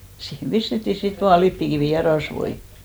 siihen pistettiin sitten vain lipeäkivi ja rasvoja